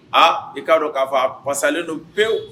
Aa i k'a dɔn k'a fɔ a pasalen don pewu